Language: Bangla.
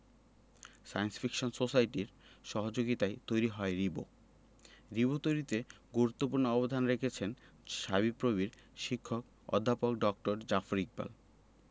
সায়েন্স ফিকশন সোসাইটির সহযোগিতায়ই তৈরি হয় রিবো রিবো তৈরিতে গুরুত্বপূর্ণ অবদান রেখেছেন শাবিপ্রবির শিক্ষক অধ্যাপক ড জাফর ইকবাল